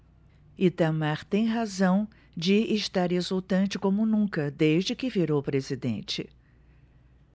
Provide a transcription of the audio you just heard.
itamar tem razão de estar exultante como nunca desde que virou presidente